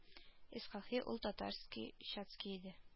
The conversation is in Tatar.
Исхакый ул татарский чацкий иде